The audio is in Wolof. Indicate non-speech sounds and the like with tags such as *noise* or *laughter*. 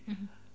*hesitation* *hesitation*